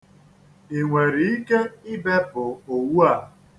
I nwere ike ibepụ owu a?